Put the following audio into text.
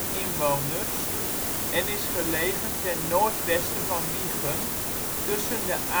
inwoners en is gelegen ten noord-westen van Wijchen tussen de